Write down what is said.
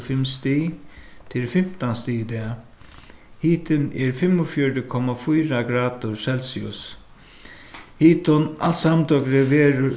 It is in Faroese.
fimm stig tað eru fimtan stig í dag hitin er fimmogfjøruti komma fýra gradir celsius hitin alt samdøgrið verður